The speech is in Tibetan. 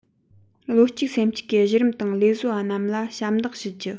བློ གཅིག སེམས གཅིག གིས གཞི རིམ དང ལས བཟོ པ རྣམས ལ ཞབས འདེགས ཞུ རྒྱུ